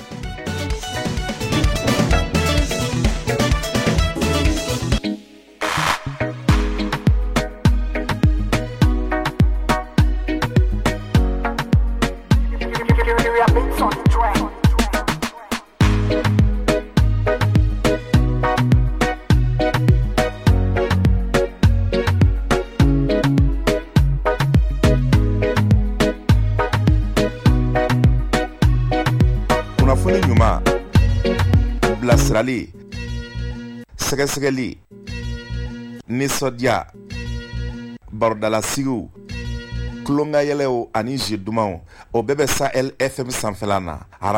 Kunnafoni ɲuman bilasiralen sɛgɛsɛgɛli nisɔndiya barodalasigi tulonkanyw ani zi dumanumaw o bɛɛ bɛ san e fɛ bɛ sanfɛ na